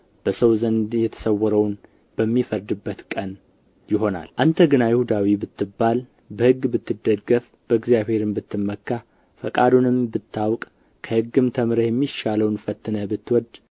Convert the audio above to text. በሰው ዘንድ የተሰወረውን በሚፈርድበት ቀን ይሆናል አንተ ግን አይሁዳዊ ብትባል በሕግም ብትደገፍ በእግዚአብሔርም ብትመካ ፈቃዱንም ብታውቅ ከሕግም ተምረህ የሚሻለውን ፈትነህ ብትወድ